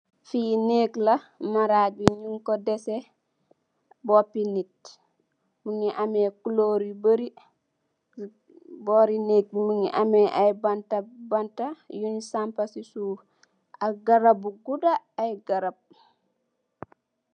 Fi nekla, marach bi nyung ko desse bopi nit, mungi ameh kulor yu bari. Bori nek bi mungi ameh ay banta yung sampa si suff ak garap bu guda, ay garap.